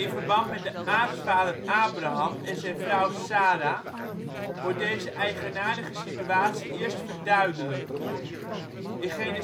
verband met de aartsvader Abraham en zijn vrouw Sara wordt deze eigenaardige situatie eerst verduidelijkt in Gen.12:10-16